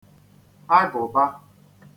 agụ̀bā